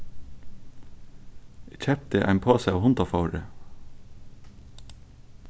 eg keypti ein posa av hundafóðri